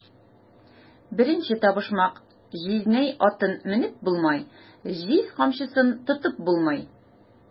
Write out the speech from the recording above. Беренче табышмак: "Җизнәй атын менеп булмай, җиз камчысын тотып булмай!"